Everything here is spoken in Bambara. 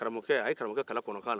a ye karamɔgɔkɛ kalan kɔnɔkan na